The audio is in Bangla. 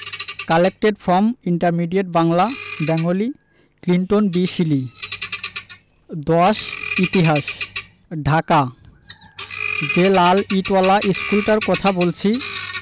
collected from intermediate Bangla Bengali Clinton বি সিলি ১০ ইতিহাস ঢাকা যে লাল ইটোয়ালা ইশকুলটার কথা বলছি